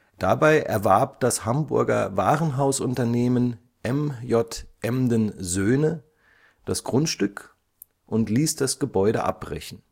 Dabei erwarb das Hamburger Warenhausunternehmen M. J. Emden Söhne das Grundstück und ließ das Gebäude abbrechen